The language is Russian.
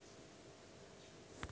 нойз эм си